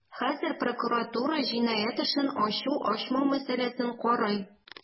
Хәзер прокуратура җинаять эшен ачу-ачмау мәсьәләсен карый.